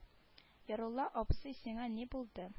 Ярулла абзый сиңа ни булды